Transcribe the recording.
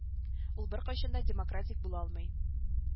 Ул беркайчан да демократик була алмый